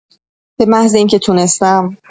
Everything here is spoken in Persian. به‌محض اینکه تونستم.